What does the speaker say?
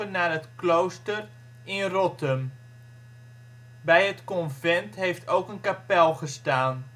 naar het klooster in Rottum. Bij het convent heeft ook een kapel gestaan